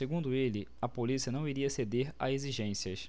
segundo ele a polícia não iria ceder a exigências